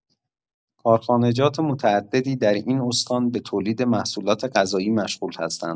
کارخانجات متعددی در این استان به تولید محصولات غذایی مشغول هستند.